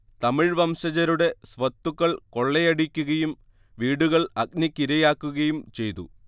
തമിഴ് വംശജരുടെ സ്വത്തുക്കൾ കൊള്ളയടിക്കുകയും വീടുകൾ അഗ്നിക്കിരയാക്കുകയും ചെയ്തു